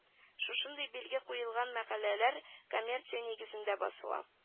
Шушындый билге куелган мәкаләләр коммерция нигезендә басыла